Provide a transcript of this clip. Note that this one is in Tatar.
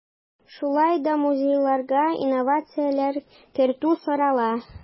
Шулай да музейларга инновацияләр кертү сорала.